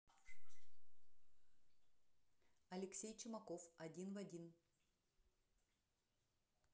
алексей чумаков один в один